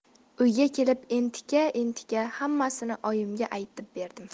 uyga kelib entika entika hammasini oyimga aytib berdim